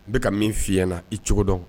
N bɛ ka min fɔ i ɲɛna, i cogo dɔn